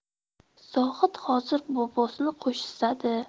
zohid hozir bobosini qo'msadi